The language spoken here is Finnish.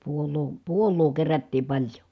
puolaa puolaa kerättiin paljon